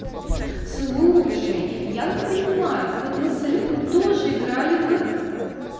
слушай вот я не понимаю вот мы с салютом тоже играли в